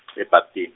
e- Bhapti-.